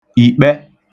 ìkpẹ